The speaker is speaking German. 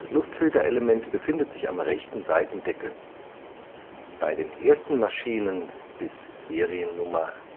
Luftfilterelement befindet sich am rechten Seitendeckel. Bei den ersten Maschinen (bis Seriennummer